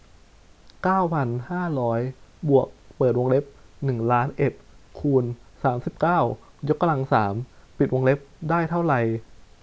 เก้าพันห้าร้อยบวกเปิดวงเล็บหนึ่งล้านเอ็ดคูณสามสิบเก้ายกกำลังสามปิดวงเล็บได้เท่าไร